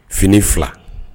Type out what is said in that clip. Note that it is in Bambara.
Fini fila